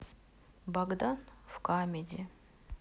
богдан в камеди